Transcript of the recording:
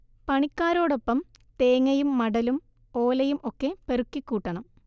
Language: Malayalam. പണിക്കാരോടൊപ്പം തേങ്ങയും മടലും ഓലയും ഒക്കെ പെറുക്കി കൂട്ടണം